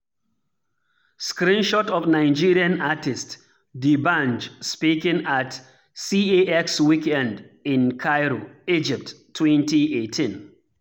Screenshot of Nigerian artist D'banj speaking at CAX Weekend in Cairo, Egypt, 2018.